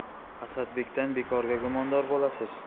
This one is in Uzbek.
asadbekdan bekorga gumondor bo'lasiz